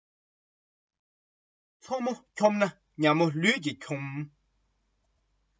ཁྲིམས གཞུང ལྡན ན བདེ སྐྱིད ཕུན སུམ ཚོགས